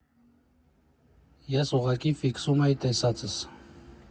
Ես ուղղակի ֆիքսում էի տեսածս։